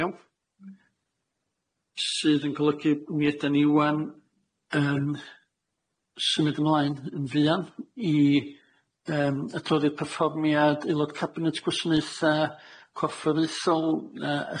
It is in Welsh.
Iawn sydd yn golygu mi ydan ni ŵan yn symud ymlaen yn fuan i yym adroddi'r perfformiad aelod cabinet gwasanaetha corfforaethol yy a